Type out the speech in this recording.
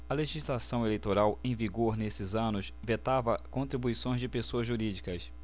a legislação eleitoral em vigor nesses anos vetava contribuições de pessoas jurídicas